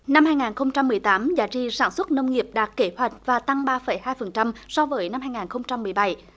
năm hai ngàn không trăm mười tám giá trị sản xuất nông nghiệp đạt kế hoạch và tăng ba phẩy hai phần trăm so với năm hai ngàn không trăm mười bảy